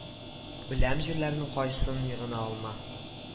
Беләм җирләрнең кайсын гына алма